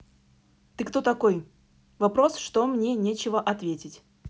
ты кто такой вопрос что мне нечего ответить